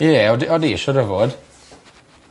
Ie od- odi siŵr o fod.